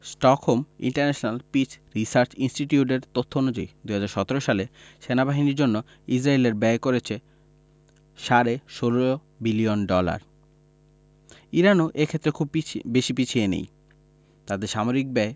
Stockholm international peace research ইনস্টিটিউটের তথ্য অনুযায়ী ২০১৭ সালে সেনাবাহিনীর জন্য ইসরায়েলের ব্যয় করেছে সাড়ে ১৬ বিলিয়ন ডলার ইরানও এ ক্ষেত্রে খুব পিছি বেশি পিছিয়ে নেই তাদের সামরিক ব্যয়